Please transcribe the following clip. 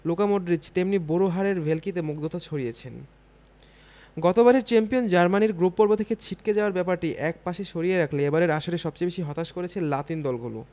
Luka Modric তেমনি বুড়ো হাড়ের ভেলকিতে মুগ্ধতা ছড়িয়েছেন গতবারের চ্যাম্পিয়ন জার্মানির গ্রুপপর্ব থেকে ছিটকে যাওয়ার ব্যাপারটি একপাশে সরিয়ে রাখলে এবারের আসরে সবচেয়ে বেশি হতাশ করেছে লাতিন দলগুলো